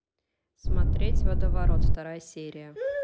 смотреть водоворот вторая серия